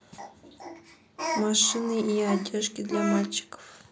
машины и одежки для мальчиков